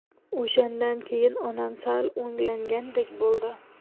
o'shandan keyin onam sal o'nglangandek bo'ldi